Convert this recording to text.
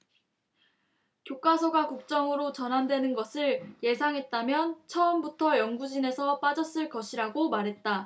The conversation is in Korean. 교과서가 국정으로 전환되는 것을 예상했다면 처음부터 연구진에서 빠졌을 것이라고 말했다